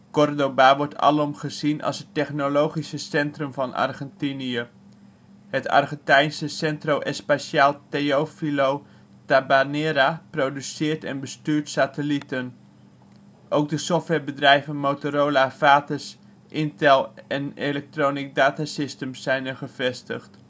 Córdoba wordt alom gezien als het technologische centrum van Argentinië. Het Argentijnse Centro Espacial Teófilo Tabanera produceert en bestuurt satellieten. Ook de softwarebedrijven (Motorola, Vates, Intel en Electronic Data Systems) zijn er gevestigd